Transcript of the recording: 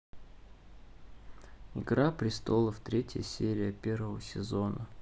игра престолов третья серия первого сезона